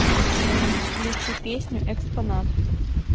включи песню экспонат